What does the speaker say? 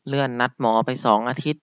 เลื่อนนัดหมอไปสองอาทิตย์